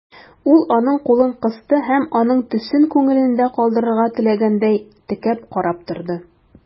Ул аның кулын кысты һәм, аның төсен күңелендә калдырырга теләгәндәй, текәп карап торды.